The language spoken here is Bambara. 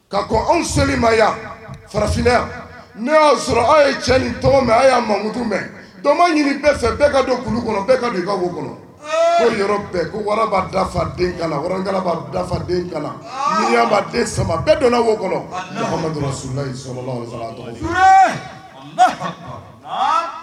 Ka anw so ma farafinya n y'a sɔrɔ aw ye cɛ ni tɔgɔ mɛn aw y'a makutu mɛn don ɲini bɛɛ bɛɛ ka don kulu kɔnɔ ka bɔ kɔnɔ yɔrɔ bɛɛ wara dafaden kala wa dafafaden n'ia den saba bɛɛ donna kɔnɔ